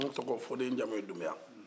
n tɔgɔ ye fode n jamu ye dunbuya